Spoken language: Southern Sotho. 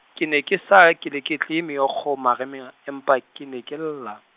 ke ne ke sa, keleketle meokgo marameng, empa ke ne ke lla.